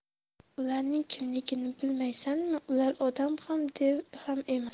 ularning kimligini bilmaysanmi ular odam ham dev ham emas